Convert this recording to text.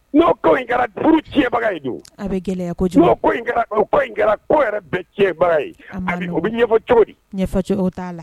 Kɛrabaga don a bɛ gɛlɛya kɛra yɛrɛbaga ye bɛ ɲɛfɔ cogo t'a la